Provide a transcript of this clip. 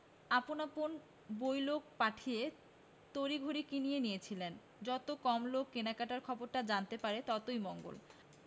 আপন আপন বই লোক পাঠিয়ে তড়িঘড়ি কিনিয়ে নিয়েছিলেন যত কম লোকে কেনাকাটার খবরটা জানতে পারে ততই মঙ্গল